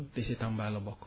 te si Tamba la bokk